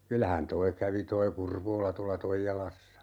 kyllähän tuo kävi tuo Kurvola tuolla Toijalassa